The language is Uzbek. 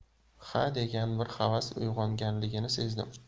xa degan bir havas uyg'onganligini sezdim